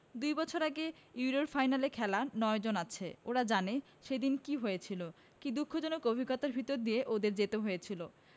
দুই বছর আগে ইউরোর ফাইনালে খেলা ৯ জন আছে ওরা জানে সেদিন কী হয়েছিল কী দুঃখজনক অভিজ্ঞতার ভেতর দিয়ে ওদের যেতে হয়েছিল